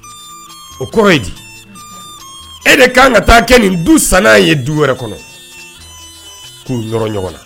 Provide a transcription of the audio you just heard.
O kɔrɔ ye di e de ka kan ka taa kɛ nin du san ye du wɛrɛ kɔnɔ k'u yɔrɔ ɲɔgɔn na